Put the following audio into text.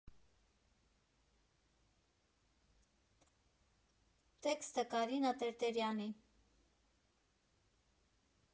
Տեքստը՝ Կարինա Տերտերյանի։